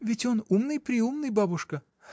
— Ведь он умный-преумный, бабушка.